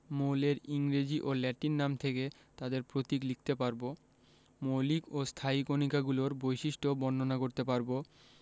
মৌলের ইংরেজি ও ল্যাটিন নাম থেকে তাদের প্রতীক লিখতে পারব মৌলিক ও স্থায়ী কণিকাগুলোর বৈশিষ্ট্য বর্ণনা করতে পারব